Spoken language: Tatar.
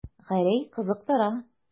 Гәрәй кызыктыра.